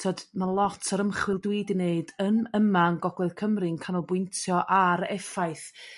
T'od ma' lot o'r ymchwil dwi 'di neud yn yma yn Gogledd Cymru yn canolbwyntio ar effaith